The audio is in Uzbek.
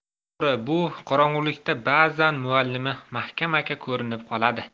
to'g'ri bu qorong'ulikda ba'zan muallimi maxkam aka ko'rinib qoladi